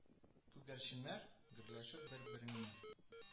Күгәрченнәр , гөрләшеп , бер-береңне